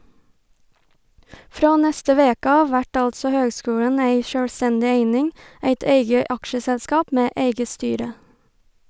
Frå neste veke av vert altså høgskulen ei sjølvstendig eining, eit eige aksjeselskap med eige styre.